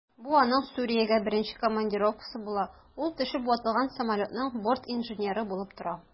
Бу аның Сүриягә беренче командировкасы була, ул төшеп ватылган самолетның бортинженеры булып тора.